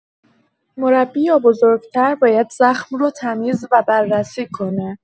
مربی یا بزرگ‌تر باید زخم رو تمیز و بررسی کنه.